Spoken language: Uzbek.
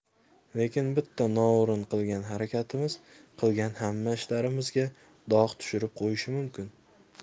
lekin bitta noo'rin qilgan harakatimiz qilgan hamma ishlarimizga dog' tushurib qo'yishi mumkin